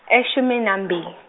eyishumi nambili.